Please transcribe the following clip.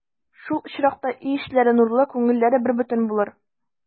Шул очракта өй эчләре нурлы, күңелләре бербөтен булыр.